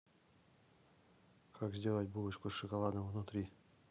как сделать булочку с шоколадом внутри